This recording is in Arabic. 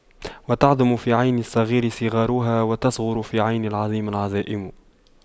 وتعظم في عين الصغير صغارها وتصغر في عين العظيم العظائم